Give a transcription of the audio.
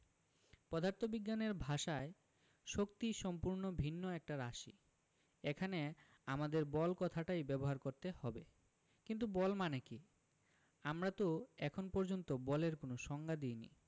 পদার্থবিজ্ঞানের ভাষায় শক্তি সম্পূর্ণ ভিন্ন একটা রাশি এখানে আমাদের বল কথাটাই ব্যবহার করতে হবে কিন্তু বল মানে কী আমরা তো এখন পর্যন্ত বলের কোনো সংজ্ঞা দিইনি